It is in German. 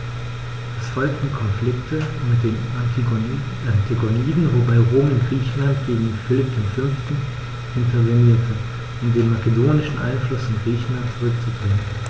Es folgten Konflikte mit den Antigoniden, wobei Rom in Griechenland gegen Philipp V. intervenierte, um den makedonischen Einfluss in Griechenland zurückzudrängen.